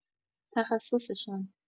تخصصشان؟